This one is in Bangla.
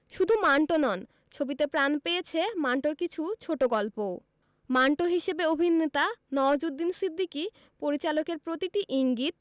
শুধু মান্টো নন ছবিতে প্রাণ পেয়েছে মান্টোর কিছু ছোটগল্পও মান্টো হিসেবে অভিনেতা নওয়াজুদ্দিন সিদ্দিকী পরিচালকের প্রতিটি ইঙ্গিত